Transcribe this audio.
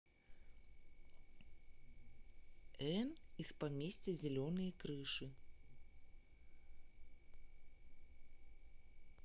энн из поместья зеленые крыши